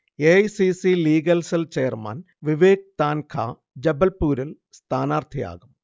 A. I. C. C. Legal cell chairman Vivek Tankha ജബൽപുരിൽ സ്ഥാനാർഥിയാകും